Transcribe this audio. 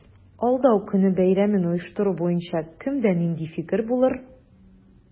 Алдау көне бәйрәмен оештыру буенча кемдә нинди фикер булыр?